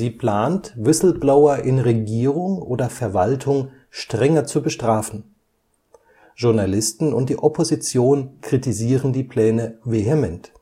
plant, Whistleblower in Regierung oder Verwaltung strenger zu bestrafen. Journalisten und die Opposition kritisieren die Pläne vehement